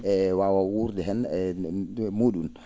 e waawa wuurde heen e mu?um